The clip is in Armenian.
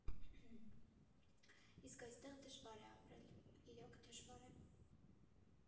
Իսկ այստեղ դժվար է ապրել, իրոք, դժվար է։